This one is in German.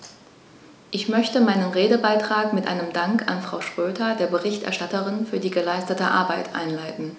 Ich möchte meinen Redebeitrag mit einem Dank an Frau Schroedter, der Berichterstatterin, für die geleistete Arbeit einleiten.